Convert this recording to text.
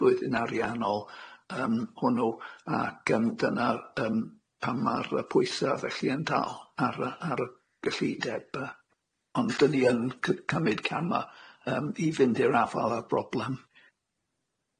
flwyddyn ariannol yym hwnnw ac yym dyna'r yym pan ma'r yy pwysa felly yn dal ar yy ar y gyllideb yy ond dyn ni yn cy- cymyd camau yym i fynd i'r afal â'r broblam.